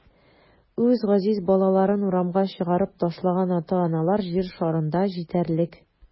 Үз газиз балаларын урамга чыгарып ташлаган ата-аналар җир шарында җитәрлек.